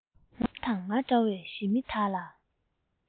ང དང ང འདྲ བའི ཞི མི དག ལ